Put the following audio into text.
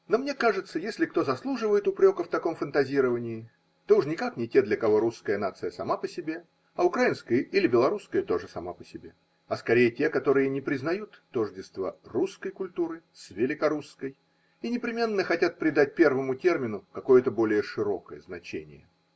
Но, мне кажется, если кто заслуживает упрека в таком фантазировании, то уж никак не те, для кого русская нация сама по себе, и украинская или белорусская – тоже сама по себе, – а скорее те, которые не признают тождества русской культуры с великорусской и непременно хотят придать первому термину какое-то более широкое значение.